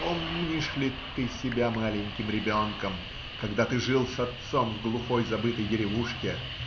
Помнишь ли ты себя маленьким ребенком, когда ты жил с отцом в глухой, забытой деревушке?